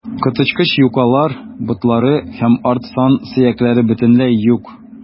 Коточкыч юкалар, ботлары һәм арт сан сөякләре бөтенләй юк.